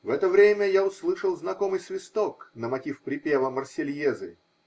В это время я услышал знакомый свисток, на мотив припева Марсельезы.